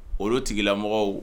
Olu tigilamɔgɔw